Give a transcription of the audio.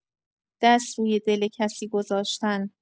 دست روی دل کسی گذاشتن